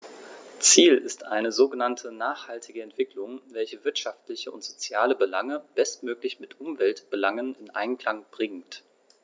Ziel ist eine sogenannte nachhaltige Entwicklung, welche wirtschaftliche und soziale Belange bestmöglich mit Umweltbelangen in Einklang bringt.